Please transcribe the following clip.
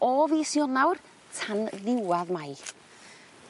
o fis Ionawr tan ddiwadd Mai.